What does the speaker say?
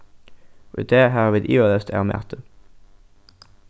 í dag hava vit ivaleyst av mati